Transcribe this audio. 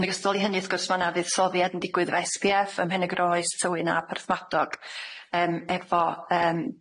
Yn ogystal i hynny wrth gwrs ma' 'na fuddsoddiad yn digwydd efo Es Pee Eff ym Mhenygyroes, Tywyn a Porthmadog yym efo yym